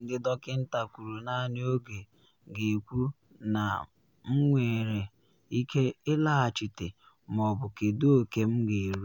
Ndị dọkịnta kwuru naanị oge ga-ekwu na m enwere ike ịlaghachite ma ọ bụ kedu oke m ga-eru.